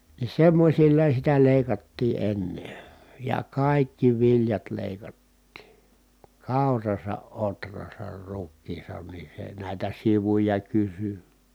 niin semmoisilla sitä leikattiin ennen ja kaikki viljat leikattiin kaurassa ohrassa rukiissa niin se näitä sivuja kysyi